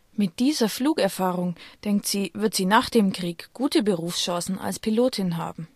Mit dieser Flugerfahrung, denkt sie, wird sie nach dem Krieg gute Berufschancen als Pilotin haben